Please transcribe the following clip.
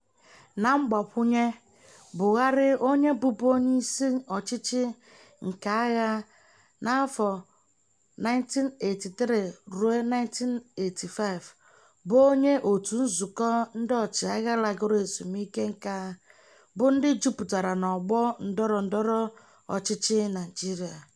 Na mgbakwụnye, Buhari onye bụbu onyeisi ọchịchị keagha (1983-1985) bụ onye òtù nzukọ ndị ọchịagha lagoro ezumike nka bụ ndị jupụtara n'ọgbọ ndọrọ ndọrọ ọchịchị Naịjirịa.